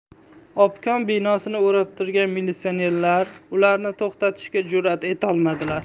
obkom binosini o'rab turgan militsionerlar ularni to'xtatishga jur'at etolmadilar